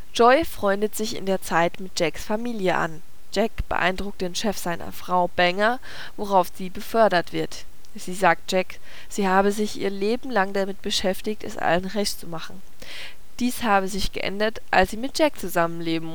Joy freundet sich in der Zeit mit Jacks Familie an. Jack beeindruckt den Chef seiner Frau, Banger, worauf sie befördert wird. Sie sagt Jack, sie habe sich ihr Leben lang damit beschäftigt, es allen Recht zu machen. Dies habe sich geändert, als sie mit Jack zusammen leben musste